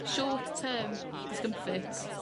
short term discomfort